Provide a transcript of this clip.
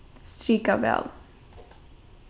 strika val